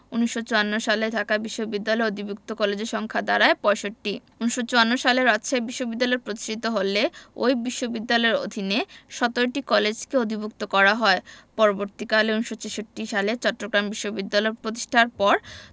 ১৯৫৪ সালে ঢাকা বিশ্ববিদ্যালয়ের অধিভুক্ত কলেজের সংখ্যা দাঁড়ায় ৬৫ ১৯৫৪ সালে রাজশাহী বিশ্ববিদ্যালয় প্রতিষ্ঠিত হলে ওই বিশ্ববিদ্যালয়ের অধীনে ১৭টি কলেজকে অধিভুক্ত করা হয় পরবর্তীকালে ১৯৬৬ সালে চট্টগ্রাম বিশ্ববিদ্যালয় প্রতিষ্ঠার পর